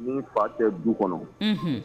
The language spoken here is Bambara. Min fa tɛ du kɔnɔ